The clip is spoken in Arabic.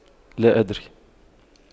لا أدري